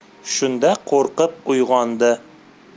shunda qo'rqib uyg'ondi